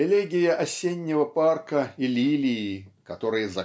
Элегия осеннего парка и лилий которые